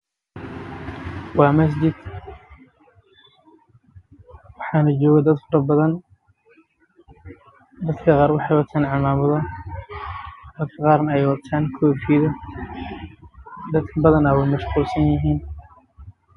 Waa masjid waxaana jooga dad badan dad ka qaar waxay wataan koo fiyado